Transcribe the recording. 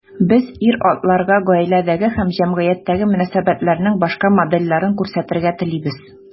Без ир-атларга гаиләдәге һәм җәмгыятьтәге мөнәсәбәтләрнең башка модельләрен күрсәтергә телибез.